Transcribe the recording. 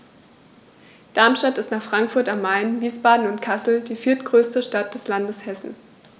Darmstadt ist nach Frankfurt am Main, Wiesbaden und Kassel die viertgrößte Stadt des Landes Hessen